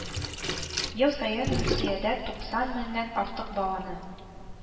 Ел саен Русиядә туксан меңнән артык баланы